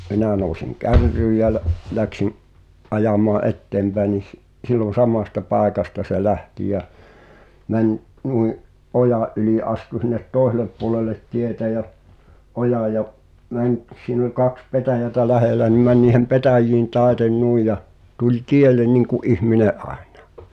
no minä nousin kärryyn ja - lähdin ajamaan eteenpäin niin - silloin samasta paikasta se lähti ja meni noin ojan yli astui sinne toiselle puolelle tietä ja ojaa ja meni siinä oli kaksi petäjää lähellä niin meni niiden petäjien taitse noin ja tuli tielle niin kuin ihminen aina